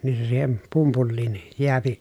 niin se siihen pumpuliin jää